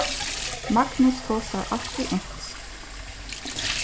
magnus tosar altíð enskt